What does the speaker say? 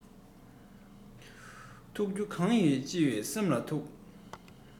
ཐུག རྒྱུ གང ཡོད ཅི ཡོད སེམས ལ ཐུག